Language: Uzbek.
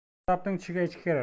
qassobning tushiga echki kirar